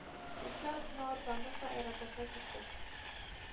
Ике атына атландык та аэропортка киттек.